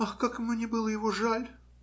- Ах, как мне было его жаль!